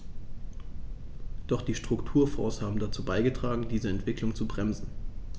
Doch die Strukturfonds haben dazu beigetragen, diese Entwicklung zu bremsen.